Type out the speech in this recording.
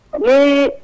Eee!